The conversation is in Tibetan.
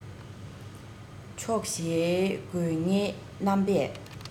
ཕྱོགས བཞིའི དགོན སྡེ རྣམ པས